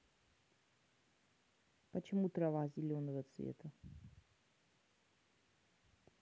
почему трава зеленого цвета